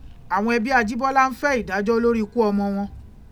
Àwọn ẹbí Ajíbọ́lá ń fẹ́ ìdájọ́ lórí ikú ọmọ wọn.